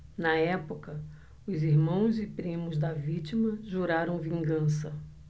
na época os irmãos e primos da vítima juraram vingança